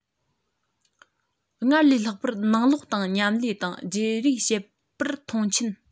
སྔར ལས ལྷག པར ནང ལོགས དང མཉམ ལས དང བརྗེ རེས བྱེད པར མཐོང ཆེན